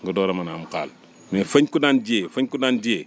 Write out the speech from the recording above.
nga door a mun a am xaal mais fañ ko daan jiyee fañ ko daan jiyee